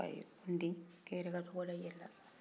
ko ayi ko n den k'e yɛrɛ ka tɔgɔ d'i yɛrɛ la sa